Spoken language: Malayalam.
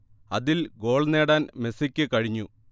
അതിൽ ഗോൾ നേടാൻ മെസ്സിക്ക് കഴിഞ്ഞു